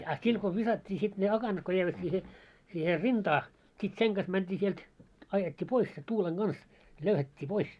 ah sillä kun viskattiin se ne akanat kun jäivät siihen siihen rintaan sitten sen kanssa mentiin sieltä ajettiin pois se tuulen kanssa löyhättiin pois